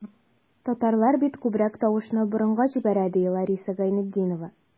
Татарлар бит күбрәк тавышны борынга җибәрә, ди Лариса Гайнетдинова.